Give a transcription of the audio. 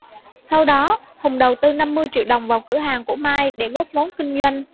sau đó hùng đầu tư năm mươi triệu đồng vào cửa hàng của mai để góp vốn kinh doanh